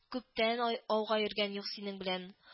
– күптән ай ауга йөргән юк синең белән